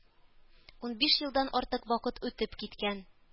Унбиш елдан артык вакыт үтеп киткән